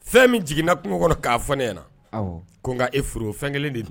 Fɛn min jiginna kungo kɔnɔ k'a fɔ ne ɲɛna na ;awɔ; ko e furu o fɛn kelen de